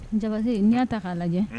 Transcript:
Ja ye n' ta k'a lajɛ